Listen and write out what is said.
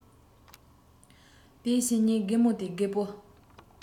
དེའི ཕྱི ཉིན རྒན མོ དེས རྒད པོ